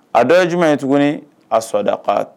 A dɔw ye jumɛn ye tuguni a sɔda ka